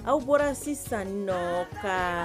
Aw bɔra sisan nɔ ka